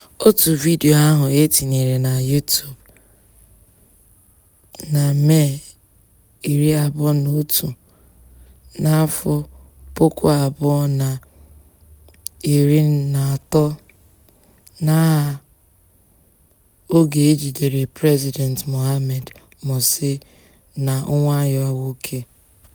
Otu vidiyo ahụ e tinyere na YouTube na Mee 21, 2013 n'aha "Oge e jidere President Mohamed Morsi na nwa ya nwoke."